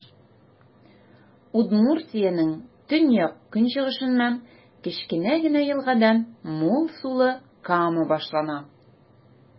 Удмуртиянең төньяк-көнчыгышыннан, кечкенә генә елгадан, мул сулы Кама башлана.